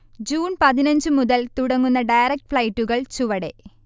June പതിനഞ്ച് മുതൽ തുടങ്ങുന്ന ഡയറക്ട് ഫൈളൈറ്റുകൾ ചുവടെ